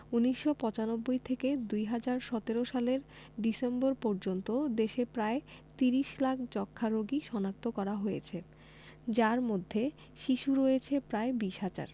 ১৯৯৫ থেকে ২০১৭ সালের ডিসেম্বর পর্যন্ত দেশে প্রায় ৩০ লাখ যক্ষ্মা রোগী শনাক্ত করা হয়েছে যার মধ্যে শিশু রয়েছে প্রায় ২০ হাজার